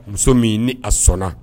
Muso min ni a sɔnna